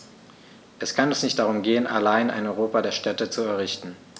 Es kann uns nicht darum gehen, allein ein Europa der Städte zu errichten.